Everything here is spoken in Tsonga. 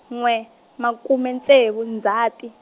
n'we, makume ntsevu Ndzati.